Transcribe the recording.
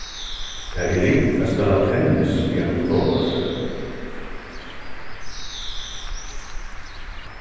tað er ringt at spæla tennis við einum fótbólti